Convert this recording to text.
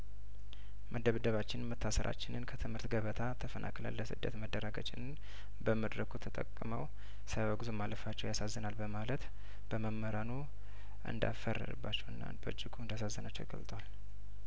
መደብደባችንን መታሰራችንን ከትምህርት ገበታ ተፈናቅለን ለስደት መዳረጋችንን በመድረኩ ተጠቅመው ሳያወግዙ ማለፋቸው ያሳዝናል በማለት በመምህራኑ እንዳፈርንባቸውና በእጅጉ እንዳዘነባቸው ገልጧል